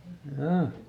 jaa